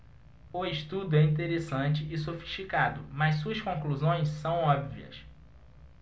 o estudo é interessante e sofisticado mas suas conclusões são óbvias